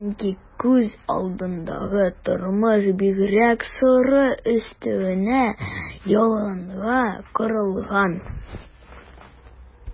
Чөнки күз алдындагы тормыш бигрәк соры, өстәвенә ялганга корылган...